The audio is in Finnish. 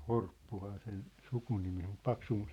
Horppuhan sen sukunimi on mutta -